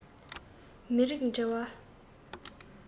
མི རིགས འབྲེལ བ